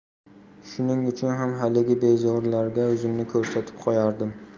shuning uchun ham haligi bezorilarga o'zimni ko'rsatib qo'yardim